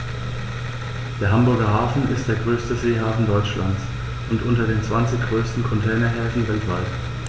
Der Hamburger Hafen ist der größte Seehafen Deutschlands und unter den zwanzig größten Containerhäfen weltweit.